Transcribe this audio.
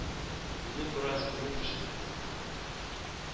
Минем бераз күңел төште